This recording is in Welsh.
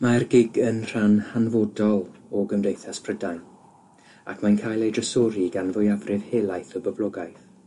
Mae'r GIG yn rhan hanfodol o gymdeithas Prydain ac mae'n cael ei drysori gan fwyafrif helaeth y boblogaeth.